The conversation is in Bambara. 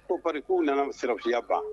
Ko bari k'u nana sɔrɔsiya ban